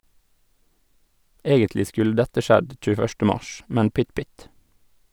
Egentlig skulle dette skjedd 21. mars, men pytt pytt.